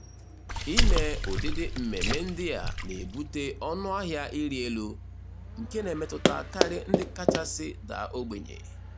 Ime ụdịdị mmemme ndị a na-ebute ọnụahịa ịrị elu, nke na-emetụta karị ndị kachasị daa ogbenye.